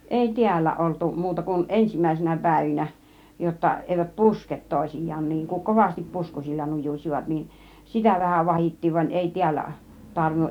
ei täällä oltu muuta kuin ensimmäisinä päivinä jotta eivät puske toisiaan niin kun kovasti puskusilla nujusivat niin sitä vähän vahdittiin vaan ei täällä tarvinnut